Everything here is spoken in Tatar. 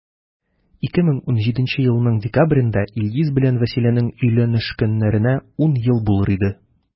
2017 елның декабрендә илгиз белән вәсиләнең өйләнешкәннәренә 10 ел булыр иде.